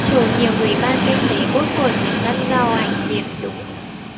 chủ nhiệm ủy ban kinh tế quốc hội nguyễn văn giàu ảnh việt dũng